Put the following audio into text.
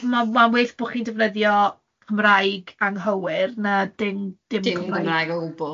Ma'n ma'n ma'n well bo' chi'n defnyddio Cymraeg anghywir na dim dim Cymraeg.